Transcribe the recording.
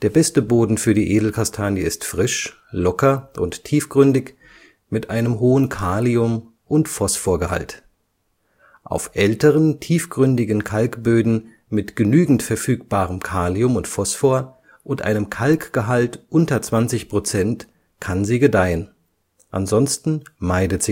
beste Boden für die Edelkastanie ist frisch, locker und tiefgründig mit einem hohen Kalium - und Phosphor-Gehalt. Auf älteren, tiefgründigen Kalkböden mit genügend verfügbarem Kalium und Phosphor und einem Kalkgehalt unter 20 % kann sie gedeihen, ansonsten meidet